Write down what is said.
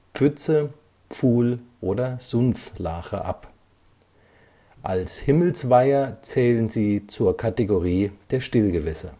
für Pfütze, Pfuhl oder Sumpflache ab. Als Himmelsweiher zählen sie zur Kategorie der Stillgewässer